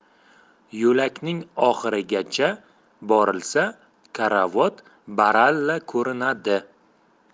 yo'lakning oxirigacha borilsa karavot baralla ko'rinadi